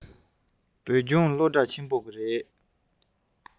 བོད ལྗོངས སློབ གྲྭ ཆེན མོ ནས རེད